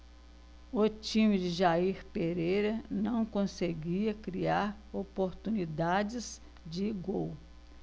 o time de jair pereira não conseguia criar oportunidades de gol